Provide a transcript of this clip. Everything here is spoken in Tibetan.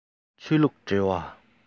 ཆོས ལུགས འབྲེལ བ